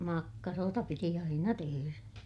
makkaroita piti aina tehdä